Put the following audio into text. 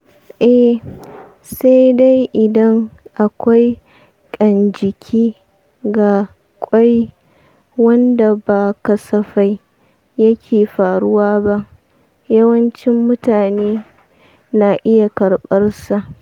eh, sai idan akwai ƙan-jiki ga ƙwai wanda ba kasafai yake faruwa ba. yawancin mutane na iya karɓar sa.